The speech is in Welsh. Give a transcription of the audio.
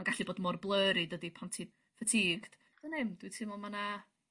...ma' gallu bod mor blurry dydi pan ti'n fatuiged. Dwn i'm dwi teimlo ma' 'na